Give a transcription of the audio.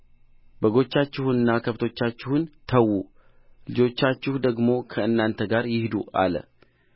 በጎቻችሁንና ከብቶቻችሁን ተዉ ልጆቻችሁ ደግሞ ከእናንተ ጋር ይሂዱ አለው